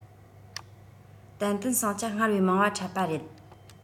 ཏན ཏན ཟིང ཆ སྔར བས མང བ འཕྲད པ རེད